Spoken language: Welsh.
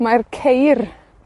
Mae'r ceir